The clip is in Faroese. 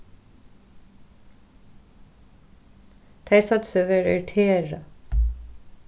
tey søgdu seg vera irriterað